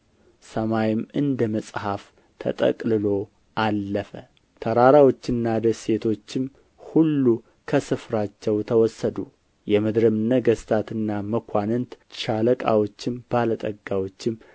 ሰማይም እንደ መጽሐፍ ተጠቅልሎ አለፈ ተራራዎችና ደሴቶችም ሁሉ ከስፍራቸው ተወሰዱ የምድርም ነገሥታትና መኳንንት ሻለቃዎችም ባለ ጠጋዎችም